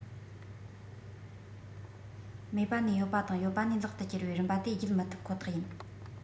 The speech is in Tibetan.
མེད པ ནས ཡོད པ དང ཡོད པ ནས ལེགས དུ གྱུར བའི རིམ པ དེ བརྒྱུད མི ཐུབ ཁོ ཐག ཡིན